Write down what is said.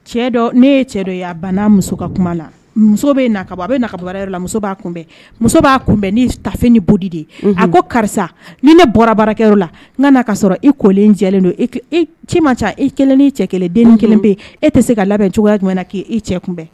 Ne ye cɛ dɔ a bana muso ka kuma na muso bɛ bɔ a bɛ baara la muso b'a kunbɛn b'a kunbɛn ta finidi de ye a ko karisa ni ne bɔra baarakɛ la n ka sɔrɔ i kolen jɛ don ci ma ca i kelen' cɛ kelen den kelen bɛ e tɛ se ka labɛn cogoya jumɛn k' e cɛ kunbɛn